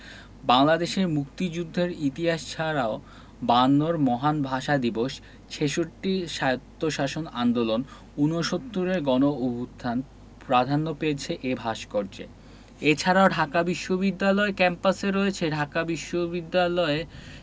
বাংলাদেশের মুক্তিযুদ্ধের ইতিহাস ছাড়াও বায়ান্নর মহান ভাষা দিবস ছেষট্টির স্বায়ত্তশাসন আন্দোলন উনসত্তুরের গণঅভ্যুত্থান প্রাধান্য পেয়েছে এ ভাস্কর্যে এ ছাড়াও ঢাকা বিশ্ববিদ্যালয় ক্যাম্পাসে রয়েছে ঢাকা বিশ্ববিদ্যালয়ে